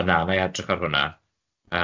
Ond na, na'i edrych ar hwnna.